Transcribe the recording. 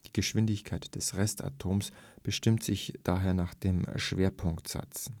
Geschwindigkeit des Rest-Atoms bestimmt sich daher nach dem Schwerpunktsatz